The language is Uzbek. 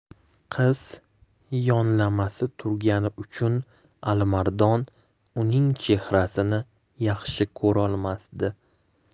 qiz yonlamasi turgani uchun alimardon uning chehrasini yaxshi ko'rolmasdi